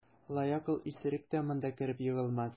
Лаякыл исерек тә монда кереп егылмас.